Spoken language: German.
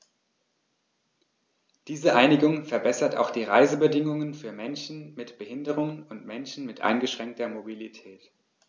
Diese Einigung verbessert auch die Reisebedingungen für Menschen mit Behinderung und Menschen mit eingeschränkter Mobilität.